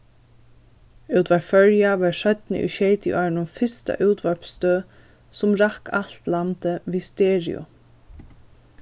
útvarp føroya varð seinni í sjeytiárunum fyrsta útvarpsstøð sum rakk um alt landið við stereo